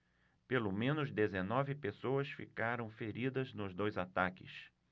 pelo menos dezenove pessoas ficaram feridas nos dois ataques